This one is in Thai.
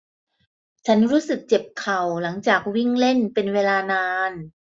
ฉันรู้สึกเจ็บเข่าหลังจากวิ่งเล่นเป็นเวลานาน